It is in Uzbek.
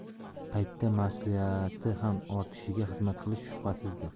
paytda mas'uliyati ham ortishiga xizmat qilishi shubhasizdir